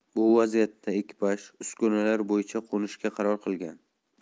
bu vaziyatda ekipaj uskunalar bo'yicha qo'nishga qaror qilgan